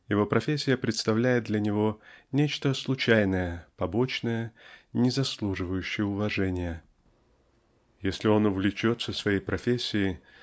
Его профессия представляет для него нечто случайное побочное не заслуживающее уважения. Если он увлечется своей профессией